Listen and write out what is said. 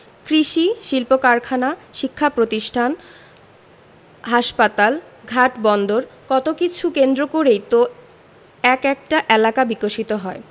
কৃষি শিল্পকারখানা শিক্ষাপ্রতিষ্ঠান হাসপাতাল ঘাট বন্দর কত কিছু কেন্দ্র করেই তো এক একটা এলাকা বিকশিত হয়